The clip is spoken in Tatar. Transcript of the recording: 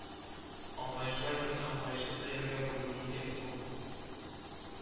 Аңлаешлы әйберне аңлаешсыз әйбергә бүлү нинди ысул бу